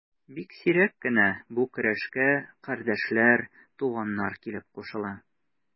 Бик сирәк кенә бу көрәшкә кардәшләр, туганнар килеп кушыла.